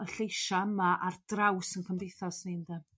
y lleisia' yma ar draws 'yn cymdeithas ni ynde?